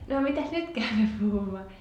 no mitäs nyt käymme puhumaan